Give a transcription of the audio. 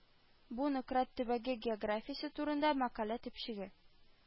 Бу Нократ төбәге географиясе турында мәкалә төпчеге